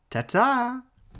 Ta-ta!